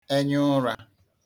enyaụrā